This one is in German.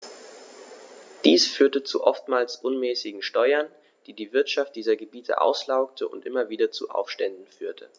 Dies führte zu oftmals unmäßigen Steuern, die die Wirtschaft dieser Gebiete auslaugte und immer wieder zu Aufständen führte.